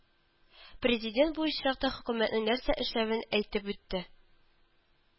Президент бу очракта хөкүмәтнең нәрсә эшләвен әйтеп үтте